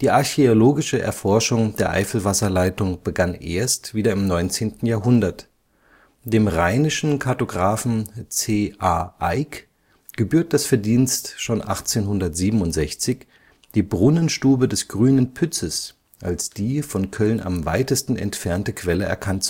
archäologische Erforschung der Eifelwasserleitung begann erst wieder im 19. Jahrhundert. Dem rheinischen Kartografen C. A. Eick gebührt das Verdienst, schon 1867 die Brunnenstube des Grünen Pützes als die von Köln am weitesten entfernte Quelle erkannt